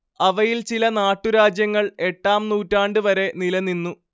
അവയിൽ ചില നാട്ടുരാജ്യങ്ങൾ എട്ടാം നൂറ്റാണ്ടുവരെ നിലനിന്നു